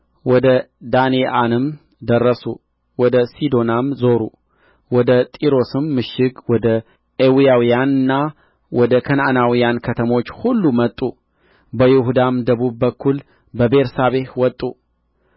ወደ ዳንየዓንም ደረሱ ወደ ሲዶናም ዞሩ ወደ ጢሮስም ምሽግ ወደ ኤዊያውያንና ወደ ከነዓናውያንም ከተሞች ሁሉ መጡ በይሁዳም ደቡብ በኩል በቤርሳቤህ ወጡ